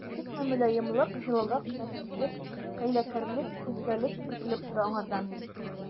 Күпме мөлаемлык, җылылык, нәфислек, хәйләкәрлек, иркәлек бөркелеп тора аңардан!